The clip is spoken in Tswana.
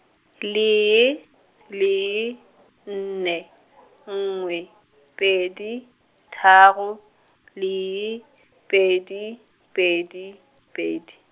lee, lee, nne, nngwe, pedi, tharo, lee , pedi, pedi, pedi.